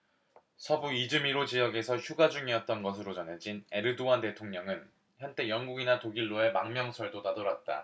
서부 이즈미르 지역에서 휴가 중이었던 것으로 전해진 에르도안 대통령은 한때 영국이나 독일로의 망명설도 나돌았다